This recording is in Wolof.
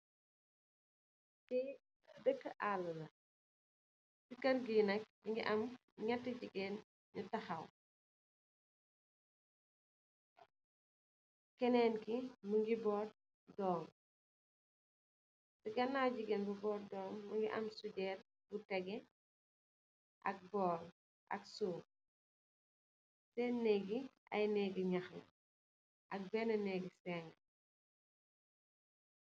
Lii dëki alë la, si kër gii nak, mu ngi am ñati jigéen yu taxaw. Kenen ki mu ngi mbott doom, si ganaawam, mu ngi am sujeer ak siwo. Sen neek yi, neek gi ñax la.